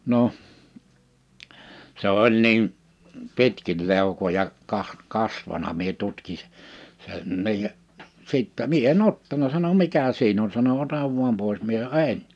no se oli niin pitkin leukoja - kasvanut minä tutkin - senkin ja sitten minä en ottanut sanoi mikä siinä on sanoi ota vain pois minä sanoin en